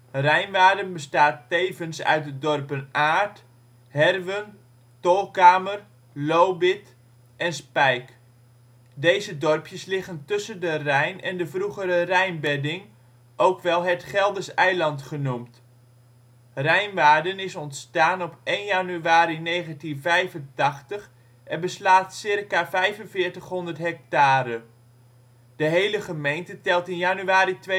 Rijnwaarden bestaat tevens uit de dorpen Aerdt, Herwen, Tolkamer, Lobith (en Tuindorp) en Spijk. Deze dorpjes liggen tussen de Rijn en de vroegere Rijnbedding, ook wel Het Gelders Eiland genoemd. Rijnwaarden is ontstaan op 1 januari 1985 en beslaat circa 4500 hectare. De hele gemeente telt in januari 2008